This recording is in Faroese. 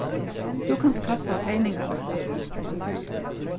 tú kanst kasta terningarnar